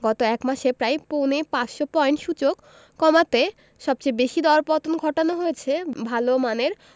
গত এক মাসে প্রায় পৌনে ৫০০ পয়েন্ট সূচক কমাতে সবচেয়ে বেশি দরপতন ঘটানো হয়েছে ভালো মানের